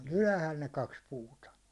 ne oli ylhäällä ne kaksi puuta